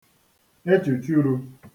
echùchurū